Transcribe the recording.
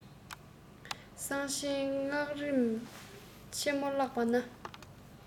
གསང ཆེན སྔགས རིམ ཆེན མོ བཀླགས པ ན